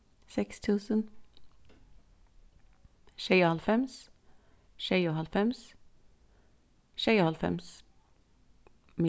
seks túsund sjeyoghálvfems sjeyoghálvfems sjeyoghálvfems